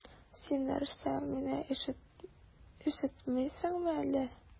Син нәрсә, мине ишетмисеңме әллә?